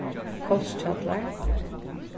kolshjallar